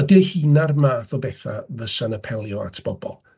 Ydy hynna'r math o betha fysa'n apelio at bobl?